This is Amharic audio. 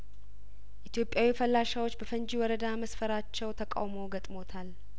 ኢትዮጵያዊ ፈላሻዎች በፈንጂ ወረዳ መስፈራቸው ተቃውሞ ገጥሞታል